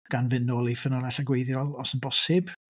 Gan fynd nôl i ffynnonellau gwreiddiol os yn bosib.